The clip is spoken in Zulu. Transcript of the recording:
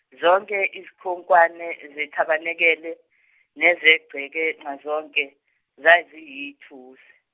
zonke izikhonkwane zeTabanekele nezegceke nxazonke zaziyithusi.